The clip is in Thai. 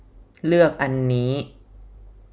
เลือกอันนี้